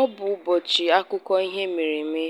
Ọ bụ ụbọchị akụkọ ihe mere eme: